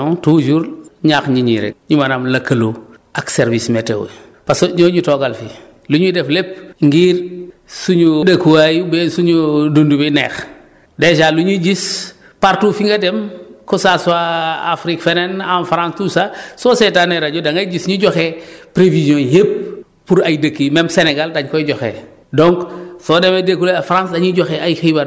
voilà bon lu ma mun a jox comme recommandation toujours ñaax nit ñi rek ñu maanaam lëkkaaloo ak services météo yi parce que ñoo ñu toogal fii lu ñuy def lépp ngir suñu dëkkuwaay beeg suñu dund wi neex dèjà lu ñuy gis partout fi nga dem que ça soit Afrique feneen en France tout ça soo seetaanee rajo da ngay gis ñu joxe prévision yëpp pour ay dëkk yi même Sénégal dañ koy joxe